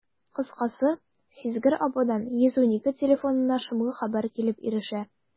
Кыскасы, сизгер ападан «112» телефонына шомлы хәбәр килеп ирешә.